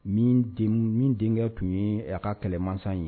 Min denkɛ tun ye a ka kɛlɛman ye